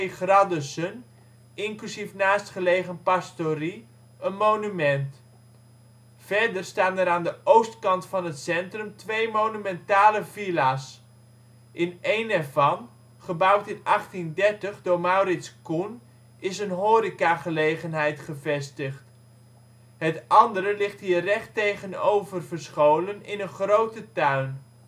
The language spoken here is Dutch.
Gradussen, inclusief naastgelegen pastorie, een monument. Verder staan er aan de oostkant van het centrum twee monumentale villa 's. In één hiervan, gebouwd in 1830 door Mauritz Koen, is een horeca-gelegenheid gevestigd. Het andere ligt hier recht tegenover verscholen in een grote tuin